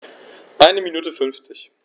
Eine Minute 50